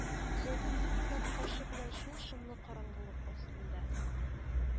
Җәйге кухня да тоташы белән шул шомлы караңгылык астында